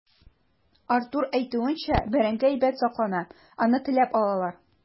Артур әйтүенчә, бәрәңге әйбәт саклана, аны теләп алалар.